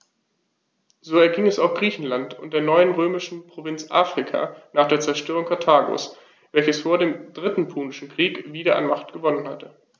So erging es auch Griechenland und der neuen römischen Provinz Afrika nach der Zerstörung Karthagos, welches vor dem Dritten Punischen Krieg wieder an Macht gewonnen hatte.